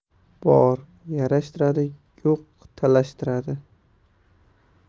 bor yarashtiradi yo'q talashtiradi